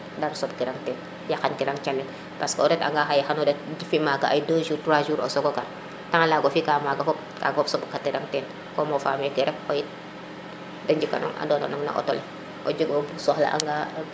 dara soɓ kirang teen yakan kiran calel parce que o reta nga xaye xayo fi maga 2 jours 3 jours sogo gar temps laga o fika maga fop kaga fop soɓ ka tirang teen ko mofa meke rek xoyit de njika noŋ a ndona noŋ no auto le o jik o soxla anga